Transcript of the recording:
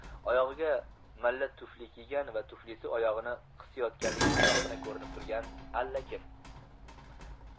oyog'iga malla tufli kiygan va tuflisi oyog'ini qisayotganligi shundoqqina ko'rinib turgan allakim